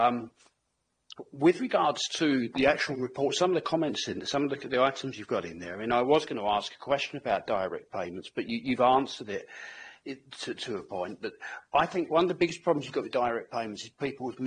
um with regards to the actual report some of the comments in there some of the c- the items you've got in there I mean I was going to ask a question about direct payments but you you've answered it i- to to a point that I think one of the biggest problems you've got with direct payments is people with